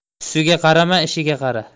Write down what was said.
tusiga qarama ishiga qara